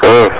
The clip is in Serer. a